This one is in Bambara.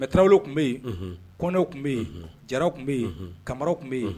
Mais Tarawelew tun bɛ yen,. Unhun! Kɔnɛw tun bɛ yen,. Unhun! Jara tun bɛ yen. Unhun! kamaraw tun bɛ yen. Unhun!